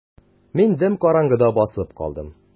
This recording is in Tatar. Мин дөм караңгыда басып калдым.